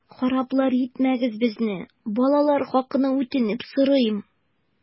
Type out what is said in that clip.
Хараплар итмәгез безне, балалар хакына үтенеп сорыйм!